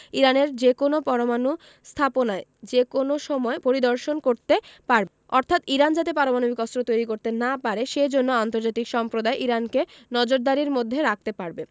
ইরানের যেকোনো পরমাণু স্থাপনায় যেকোনো সময় পরিদর্শন করতে পারবে অর্থাৎ ইরান যাতে পারমাণবিক অস্ত্র তৈরি করতে না পারে সে জন্য আন্তর্জাতিক সম্প্রদায় ইরানকে নজরদারির মধ্যে রাখতে পারবে